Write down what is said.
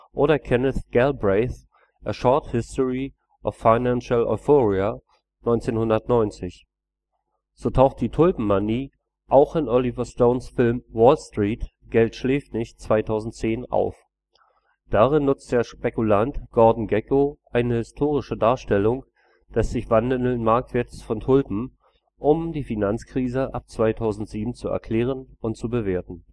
oder Kenneth Galbraiths A Short History of Financial Euphoria (1990). So taucht die Tulpenmanie auch in Oliver Stones Film Wall Street: Geld schläft nicht (2010) auf. Darin nutzt der Spekulant Gordon Gekko eine historische Darstellung des sich wandelnden Marktwerts von Tulpen, um die Finanzkrise ab 2007 zu erklären und zu bewerten